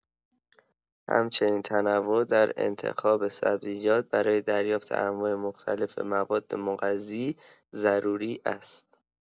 همچنین تنوع در انتخاب سبزیجات برای دریافت انواع مختلف مواد مغذی ضروری است.